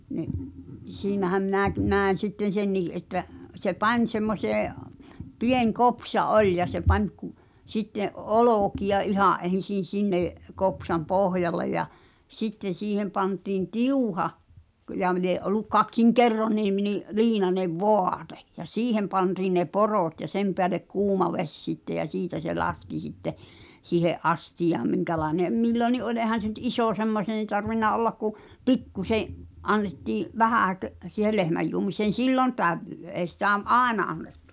niin siinähän minäkin näin sitten senkin että se pani semmoiseen pieni kopsa oli ja se pani kun sitten olkia ihan ensin sinne kopsan pohjalle ja sitten siihen pantiin tiuha - ja - lie ollut kaksin kerroin niin liinainen vaate ja siihen pantiin ne porot ja sen päälle kuuma vesi sitten ja siitä se laski sitten siihen astiaan minkälainen milloinkin oli eihän se nyt iso semmoiseen tarvinnut olla kun pikkuisen annettiin vähänkö siihen lehmäjuomiseen silloin tällöin ei sitä - aina annettu